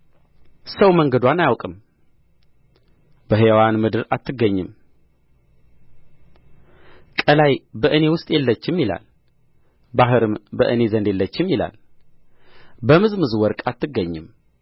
ሰው መንገድዋን አያውቅም በሕያዋን ምድር አትገኝም ቀላይ በእኔ ውስጥ የለችም ይላል ባሕርም በእኔ ዘንድ የለችም ይላል በምዝምዝ ወርቅ አትገኝም